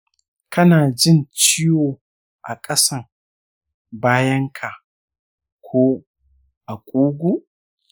kana jin ciwo a ƙasan bayanka ko a ƙugu?